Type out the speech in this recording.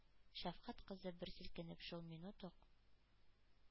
Шәфкать кызы, бер селкенеп, шул минут ук